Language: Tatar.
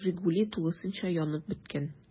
“жигули” тулысынча янып беткән.